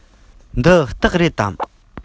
འདི སྟག རེད དམ